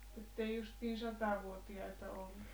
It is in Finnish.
että ei justiin satavuotiaita ollut